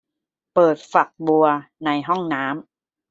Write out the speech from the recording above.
เปิดฝักบัวในห้องน้ำ